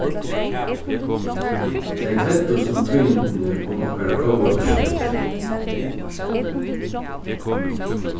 tey gleddust um tíðindini um okkara góða úrslit